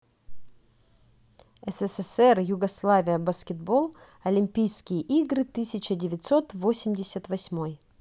ссср югославия баскетбол олимпийские игры тысяча девятьсот восемьдесят восьмой